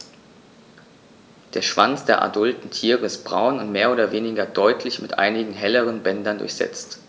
Der Schwanz der adulten Tiere ist braun und mehr oder weniger deutlich mit einigen helleren Bändern durchsetzt.